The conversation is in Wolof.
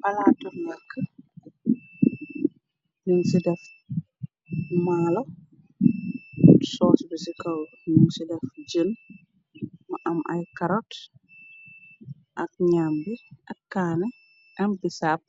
Palat tur weex, nin ci def malo soos bi ci kaw nun ci def jën mu am ay karot ak nam bi ak kaane am bi sab